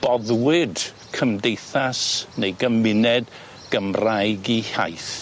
Boddwyd cymdeithas neu gymuned Gymraeg 'i hiaith.